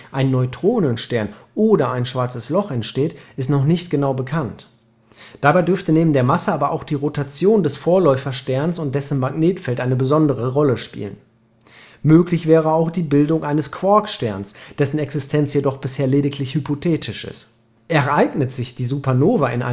ein Neutronenstern oder ein Schwarzes Loch entsteht, ist noch nicht genau bekannt. Dabei dürfte neben der Masse aber auch die Rotation des Vorläufersterns und dessen Magnetfeld eine besondere Rolle spielen. Möglich wäre auch die Bildung eines Quarksterns, dessen Existenz jedoch bisher lediglich hypothetisch ist. Ereignet sich die Supernova in